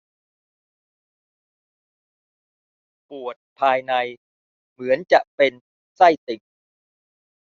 ปวดภายในเหมือนจะเป็นไส้ติ่ง